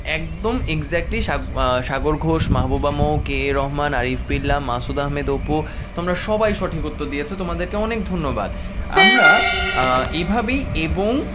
একদম exactly Sagar Ghosh Mahbuba Mou K Rahman Arif Billah Masud Ahmed Apu তোমরা সবাই সঠিক উত্তর দিয়েছে তোমাদেরকে অনেক ধন্যবাদ আমরা এভাবেই এবং